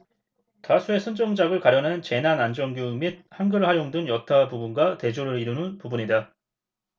다수의 선정작을 가려낸 재난안전교육 및 한글 활용 등 여타 부문과 대조를 이루는 부분이다